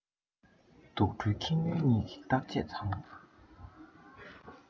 དུག སྦྲུལ ཁྱི སྨྱོན གཉིས ཀྱི བརྟག དཔྱད ཚང